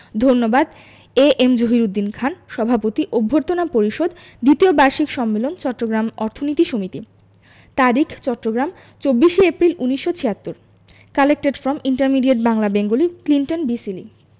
ধন্যবাদ A M Zahiruddin Khan সভাপতি অভ্যর্থনা পরিষদ দ্বিতীয় বার্ষিক সম্মেলন ২৪শে এপ্রিল ১৯৭৬ চট্টগ্রাম অর্থনীতি সমিতি collected from intermediate Bangla Bengali Clinton B Seely